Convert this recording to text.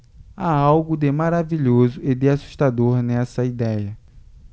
há algo de maravilhoso e de assustador nessa idéia